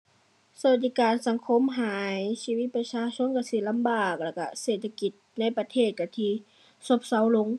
สวัสดิการสังคมหาย ชีวิตประชาชนก็สิลำบาก แล้วก็เศรษฐกิจ ในประเทศก็ที่ซบเซาลง